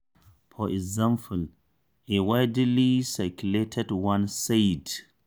For example, a widely circulated one said: